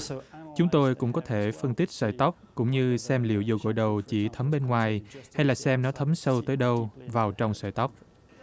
chúng tôi cũng có thể phân tích sợi tóc cũng như xem liệu dầu gội đầu chỉ thấm bên ngoài hay là xem nó thấm sâu tới đâu vào trong sợi tóc